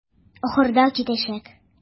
Ахырда китәчәк.